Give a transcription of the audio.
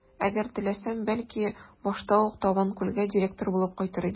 Әгәр теләсәм, бәлки, башта ук Табанкүлгә директор булып кайтыр идем.